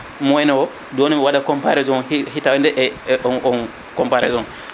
moyenne o joni mi waɗa comparaison hi hitande e on on comparaison